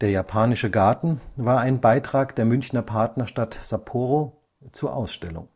japanische Garten war ein Beitrag der Münchner Partnerstadt Sapporo zur Ausstellung